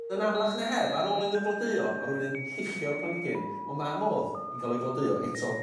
Yn amlach na heb ar ôl i n'w flodeuo ma' rywun yn lluchio'r planhigyn on' ma' modd i ca'l o i flodeuo eto.